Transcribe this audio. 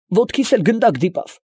Ոտքիս էլ գնդակ դիպավ։